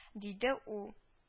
Диде ул